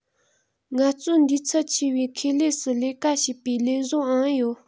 ངལ རྩོལ འདུས ཚད ཆེ བའི ཁེ ལས སུ ལས ཀ བྱེད པའི ལས བཟོ པའང ཡོད